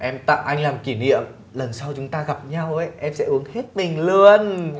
em tặng anh làm kỷ niệm lần sau chúng ta gặp nhau ý em sẽ uống hết mình luôn